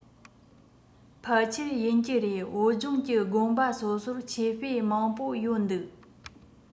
ཕལ ཆེར ཡིན གྱི རེད བོད ལྗོངས ཀྱི དགོན པ སོ སོར ཆོས དཔེ མང པོ ཡོད འདུག